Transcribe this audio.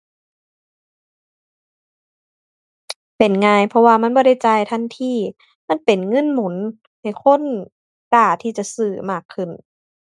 เป็นง่าย เพราะว่ามันบ่ได้จ่ายทันที มันเป็นเงินหมุนให้คนกล้าที่จะซื้อมากขึ้น